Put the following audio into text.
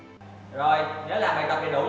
rồi nhớ làm